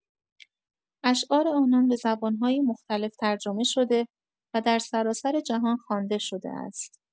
اشعار آنان به زبان‌های مختلف ترجمه شده و در سراسر جهان خوانده شده است.